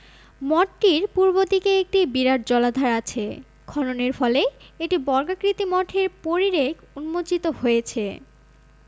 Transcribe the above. মঠটির পূর্বদিকে একটি বিরাট জলাধার আছে খননের ফলে একটি বর্গাকৃতি মঠের পরিরেখ উন্মোচিত হয়েছে